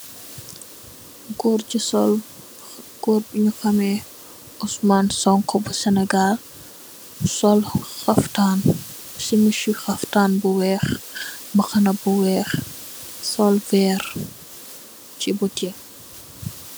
Gorr bu sol gorr bun hameh Ousman Sonko bu Senegal mu sol simisi haftan bu wey mbahana bu wey sol verr si beche.